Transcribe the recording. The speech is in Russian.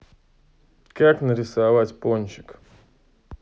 как нарисовать пончик